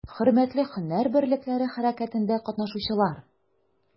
Хөрмәтле һөнәр берлекләре хәрәкәтендә катнашучылар!